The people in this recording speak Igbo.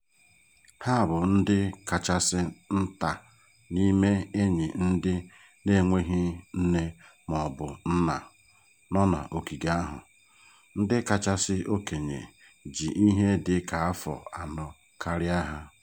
Ha bụ ndị kachasị nta n'ime enyi ndị n'enweghị nne mọọbụ nna nọ n'ogige ahụ; ndị kachasi okenye jị ihe dị ka afọ anọ karịa ha.